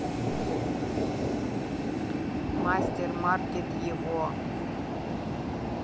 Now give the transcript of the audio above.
мастермаркет его